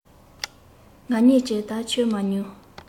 ང གཉིས ཀྱིས ད ཁྱོད མ ངུ